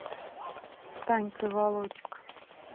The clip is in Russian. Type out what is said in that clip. танька и володька